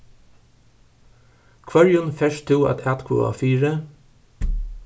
hvørjum fert tú at atkvøða fyri